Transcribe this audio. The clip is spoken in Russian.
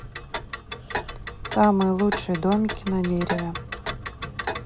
самые лучшие домики на дереве